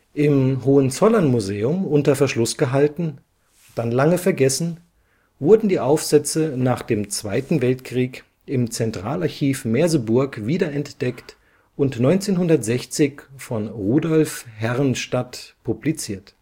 Im Hohenzollernmuseum unter Verschluss gehalten, dann lange vergessen, wurden die Aufsätze nach dem Zweiten Weltkrieg im Zentralarchiv Merseburg wiederentdeckt und 1960 von Rudolf Herrnstadt publiziert